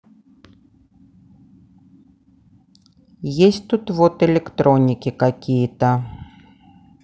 есть тут вот электроники какие то